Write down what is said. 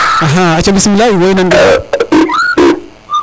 axa aca bismila in way nan gilwang